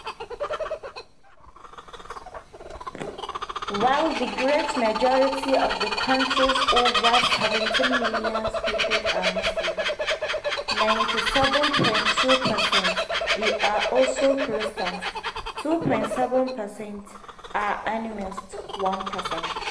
While the great majority of the country's over 17 million people are Muslim (97.2 percent), there are also Christians (2.7 percent) and animists (1 percent).